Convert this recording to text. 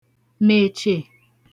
mèchè